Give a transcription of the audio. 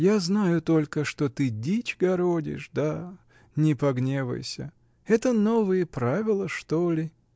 Я знаю только, что ты дичь городишь, да: не погневайся! Это новые правила, что ли?